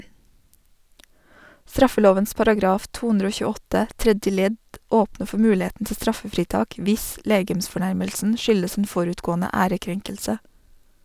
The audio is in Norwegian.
Straffelovens paragraf 228, 3.ledd åpner for muligheten til straffefritak hvis legemsfornærmelsen skyldes en forutgående ærekrenkelse.